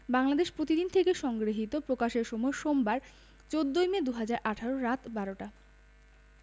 বাংলাদেশ প্রতিদিন থেকে সংগৃহীত প্রকাশের সময় সোমবার ১৪ মে ২০১৮ রাত ১২টা